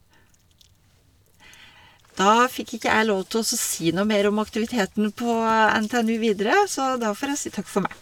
Da fikk ikke jeg lov til å så si noe mer om aktiviteten på NTNU Videre, så da får jeg si takk for meg.